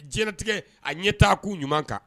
Diɲɛtigɛ a ɲɛ taa'u ɲuman kan